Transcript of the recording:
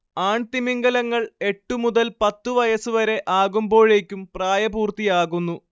ആൺതിമിംഗിലങ്ങൾ എട്ടു മുതൽ പത്ത് വയസ്സുവരെ ആകുമ്പോഴേക്കും പ്രായപൂർത്തിയാകുന്നു